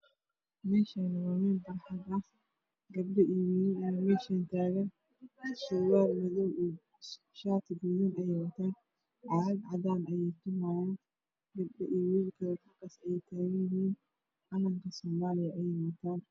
Meeshaan waa meel barxad ah gabdho iyo wiilal ayaa meesha taagan. Wiilashu surwaal madow ah iyo shaati buluug ah ayay wataan caagag cad ayay tumaayaan. Gabdho iyo wiilal kale halkaas ayay taagan yihiin calanka soomaaliya ayay wataan.